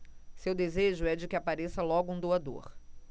seu desejo é de que apareça logo um doador